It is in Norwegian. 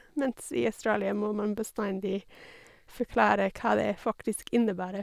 Mens i Australia må man bestandig forklare hva det faktisk innebærer.